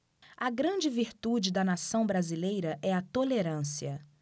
a grande virtude da nação brasileira é a tolerância